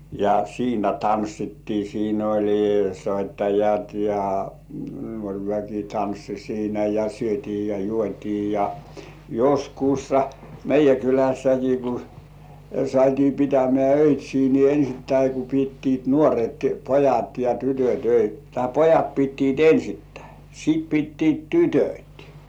ja siinä tanssittiin siinä oli soittajat ja nuori väki tanssi siinä ja syötiin ja juotiin ja joskus meidän kylässäkin kun saatiin pitämään öitsejä niin ensittäin kun pitivät nuoret pojat ja tytöt - tai pojat pitivät ensttäin sitten pitivät tytöt